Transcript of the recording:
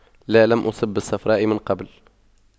لا لم أصب بالصفراء من قبل